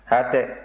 hatɛ